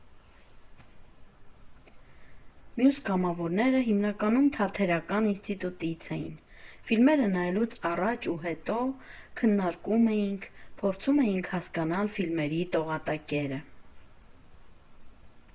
Մյուս կամավորները հիմնականում Թատերական ինստիտուտից էին, ֆիլմերը նայելուց առաջ ու հետո քննարկում էինք, փորձում էինք հասկանալ ֆիլմերի տողատակերը.